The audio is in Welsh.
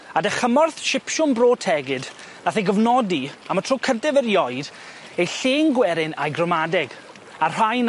a 'dy chymorth Sipsiwn Bro Tegid nath e gofnodi am y tro cyntaf erioed ei llên gwerin a'i gramadeg, a'r rhain